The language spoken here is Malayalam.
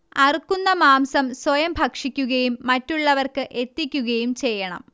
അറുക്കുന്ന മാംസം സ്വയം ഭക്ഷിക്കുകയും മറ്റുള്ളവർക്ക് എത്തിക്കുകയും ചെയ്യണം